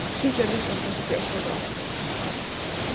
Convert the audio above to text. tríggjar lítlar fløskur av sodavatn